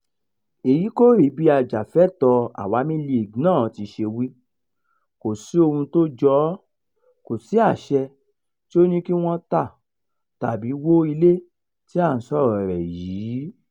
Èyí kò rí bí ajàfẹ́tọ̀ọ́ AL náà ti ṣe wí, kò sí ohun tó jọ ọ́, kò sí àṣẹ tí ó ní kí wọ́n tà tàbí wó ilé tí à ń sọ̀rọ̀ọ rẹ̀ yìí.